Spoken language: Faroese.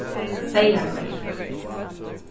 seyðagøta